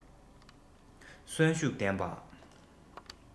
གསོན ཤུགས ལྡན པ